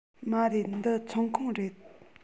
མ རེད འདི ཚོང ཁང རེད